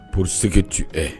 Psi tun ɛ